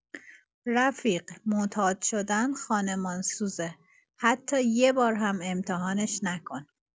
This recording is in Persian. رفیق، معتاد شدن خانمانسوزه، حتی یه بار هم امتحانش نکن!